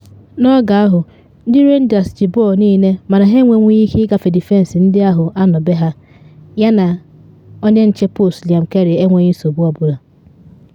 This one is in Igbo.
N’oge ahụ, ndị Rangers ji bọọlụ niile mana ha enwenwughi ike ịgafe defensị ndị ahụ anọ be ha yana onye nche post Liam Kelly enweghị nsogbu ọ bụla,